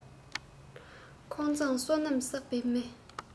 ཁོང མཛངས བསོད ནམས བསགས པའི མི